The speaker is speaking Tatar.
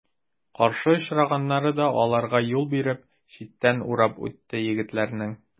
Каршы очраганнары да аларга юл биреп, читтән урап үтте егетләрнең.